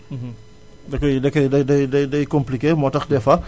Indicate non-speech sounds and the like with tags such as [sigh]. [hesitation] [hesitation] dakoy dakoy day compliqué moo tax des fois